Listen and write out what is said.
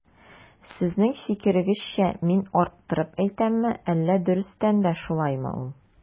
Сезнең фикерегезчә мин арттырып әйтәмме, әллә дөрестән дә шулаймы ул?